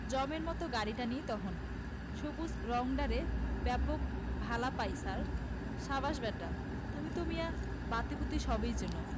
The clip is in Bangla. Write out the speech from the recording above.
জম্মের মত গাড়ি টানি তহন সবুজ রংডারে ব্যাপক ভালা পাই ছার সাব্বাস ব্যাটা তুমি তো মিয়া বাতিবুতি সবই চেনো